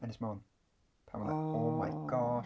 Ynys Môn. Pan oedd... o. ...Oh my gosh!